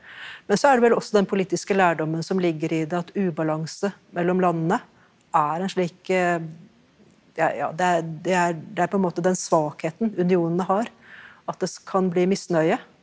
men så er det vel også den politiske lærdommen som ligger i det at ubalanse mellom landene er en slik ja ja det er det er det er på en måte den svakheten unionene har at det kan bli misnøye.